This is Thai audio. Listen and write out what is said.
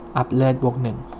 อัพเลือดบวกหนึ่ง